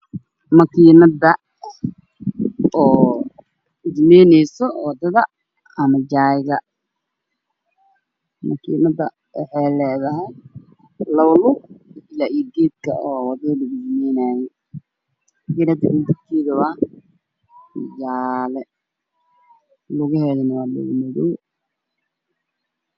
Waa makiinad samayneyso wadada ama jayga waxay leedahay labo lug, makiinadu waa jaale.